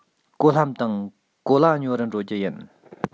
གོ ལྷམ དང གོ ལྭ ཉོ རུ འགྲོ རྒྱུ ཡིན